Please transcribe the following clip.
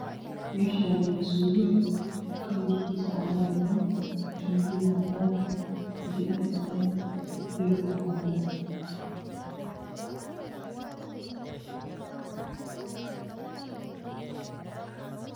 Meeshaani waa suuli kalarkisa cadaan yahay tuunjiga cadaan waji dhaqa cadaan darbiga cadaan